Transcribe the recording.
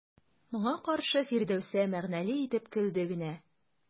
Моңа каршы Фирдәүсә мәгънәле итеп көлде генә.